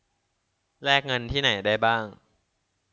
แลกเงินที่ไหนได้บ้าง